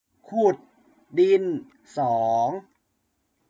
ขุดดินสอง